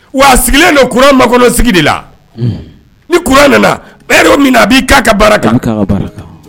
Wa sigilen donuran makolon sigi de la niuran nana min na a b'i ka